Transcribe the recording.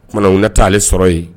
O tumana u na taa ale sɔrɔ yen.